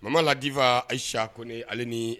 Mama ladifa ayisa kɔni ale ni